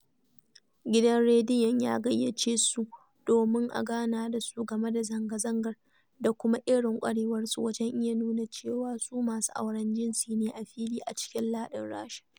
Gidan rediyon ya gayyace su domin a gana da su game da zanga-zangar da kuma irin ƙwarewarsu wajen iya nuna cewa su masu auren jinsi ne a fili a cikin lardin Rasha.